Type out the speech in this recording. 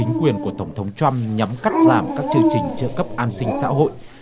chính quyền của tổng thống trăm nhằm cắt giảm các chương trình trợ cấp an sinh xã hội